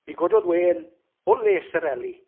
Mi gododd wên o les yr eli.